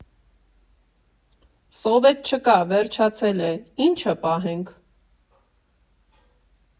Սովետ չկա, վերջացել է, ի՞նչը պահենք։